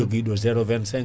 jooguiɗo 0.25